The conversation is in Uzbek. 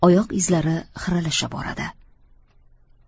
oyoq izlari xiralasha boradi